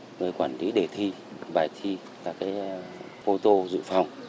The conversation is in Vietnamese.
người quản lý đề thi bài thi và cái phô tô dự phòng